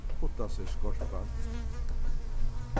uttast er skorpan